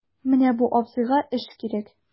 Менә бу абзыйга эш кирәк...